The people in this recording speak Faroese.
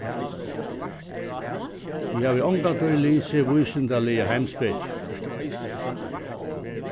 eg havi ongantíð lisið vísindaliga heimspeki